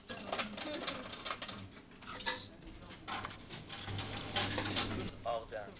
kun og'di